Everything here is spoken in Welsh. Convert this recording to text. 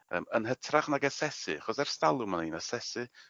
yym yn hytrach nag asesu achos ers dalwm o'n ni'n asesu